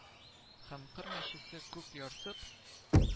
Һәм кыр мәчесе күк ярсып